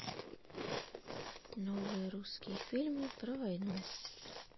новые русские фильмы про войну